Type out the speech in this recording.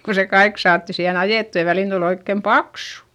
kun se kaikki saatiin siihen ajettua ja väliin tuli oikein paksu